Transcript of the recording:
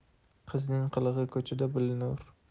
qizining qilig'i ko'chada bilinar